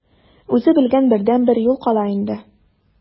Үзе белгән бердәнбер юл кала инде.